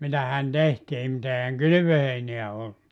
mitähän tehtiin mutta eihän kylvöheinää ollut